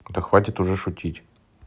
да хватит уже шутить